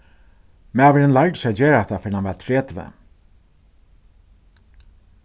maðurin lærdi ikki at gera hatta fyrr enn hann var tretivu